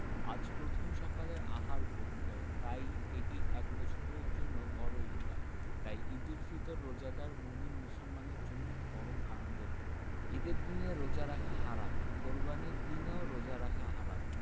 আজ প্রথম সকালের আহার গ্রহণ করে তাই এটি এক বছরের জন্য বড় ইফতার তাই ঈদুল ফিতর রোজাদার মোমিন মুসলিমের জন্য পরম আনন্দের দিন ঈদের দিনে রোজা রাখা হারাম কোরবানির দিনেও রোজা রাখা হারাম